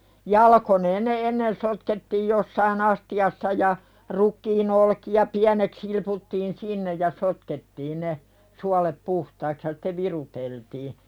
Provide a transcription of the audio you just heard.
jalkoineen ne ennen sotkettiin jossakin astiassa ja rukiin olkia pieneksi silputtiin sinne ja sotkettiin ne suolet puhtaiksi ja sitten viruteltiin